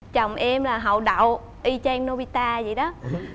chồng em là hậu đậu y chang nô bi ta dậy đó